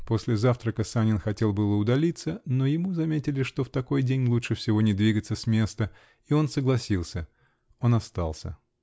после завтрака Санин хотел было удалиться, но ему заметили, что в такой день лучше всего не двигаться с места, -- и он согласился он остался.